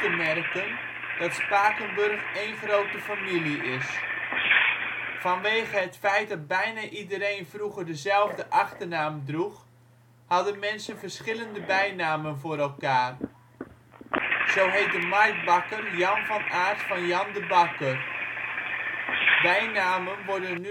merken dat Spakenburg een grote familie is. Vanwege het feit dat bijna iedereen vroeger dezelfde achternaam droeg, hadden mensen verschillende bijnamen voor elkaar. Zo heet de marktbakker Jan van Aart van Jan de Bakker. Bijnamen worden